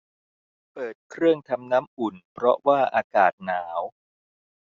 เปิดเครื่องทำน้ำอุ่นเพราะว่าอากาศหนาว